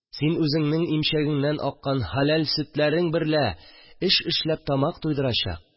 Син, үзеңнең имчәгеңнән аккан хәләл сөтләрең берлә эш эшләп тамак туйдырачак